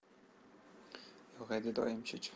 yo'g' e dedi oyim cho'chib